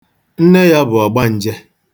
Nne ya bụ ọgbanje.